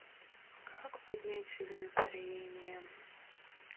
как поднять себе настроение